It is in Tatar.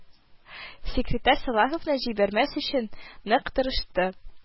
Секретарь Салаховны җибәрмәс өчен нык тырышты